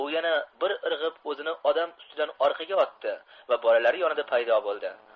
u yana bir irg'ib o'zini odam ustidan orqaga otdi va bolalari yonida paydo bo'ldi